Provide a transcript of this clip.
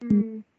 Hmm.